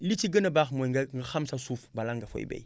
li ci gën a baax mooy nga xam sda suuf bala nga fay bay